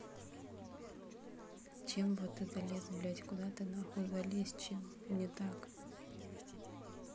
чем вот ты залез блядь куда ты нахуй залезть чего не так